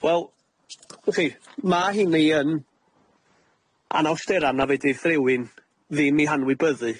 Wel, w'chi ma' 'heini yn anhawstera' na fedrith rywun ddim 'u hanwybyddu.